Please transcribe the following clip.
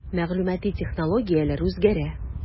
Мәгълүмати технологияләр үзгәрә.